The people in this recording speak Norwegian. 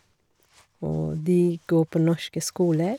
Og de går på norske skoler.